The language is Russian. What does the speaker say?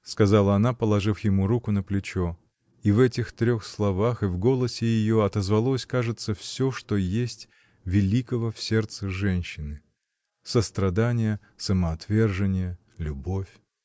— сказала она, положив ему руку на плечо, — и в этих трех словах, и в голосе ее — отозвалось, кажется, всё, что есть великого в сердце женщины: сострадание, самоотвержение, любовь.